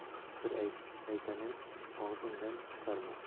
bir sir aytamen og'zing dan chiqarma